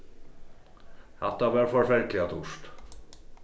hatta var forferdiliga dýrt